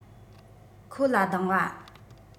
ཁོ ལ སྡང བ